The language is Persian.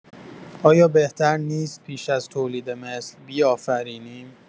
آیا بهتر نیست پیش از تولیدمثل، بیافرینیم؟